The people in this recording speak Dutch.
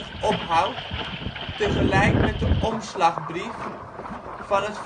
ophoudt, tegelijk met de " omslagbrief " van het